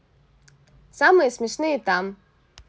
самые смешные там